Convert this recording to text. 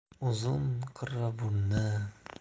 uzun qirra burni